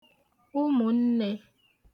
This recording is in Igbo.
ụmụ̀nnē